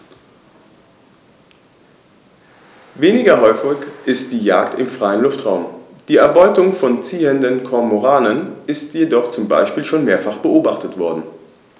Weniger häufig ist die Jagd im freien Luftraum; die Erbeutung von ziehenden Kormoranen ist jedoch zum Beispiel schon mehrfach beobachtet worden.